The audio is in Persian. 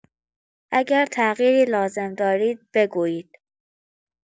اگر تغییری لازم دارید، بگویید!